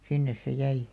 sinne se jäi